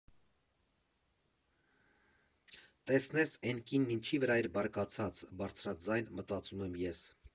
֊Տեսնես էն կինն ինչի վրա էր բարկացած,֊ բարձրաձայն մտածում եմ ես։